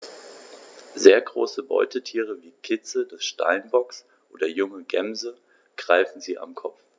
Sehr große Beutetiere wie Kitze des Steinbocks oder junge Gämsen greifen sie am Kopf.